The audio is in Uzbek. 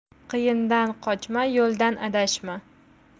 qiyindan qochma yo'ldan adashma